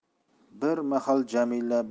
bir mahal jamila